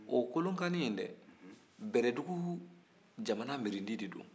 o kolonkanin in dɛ bɛlɛdugu jamana mirindi de don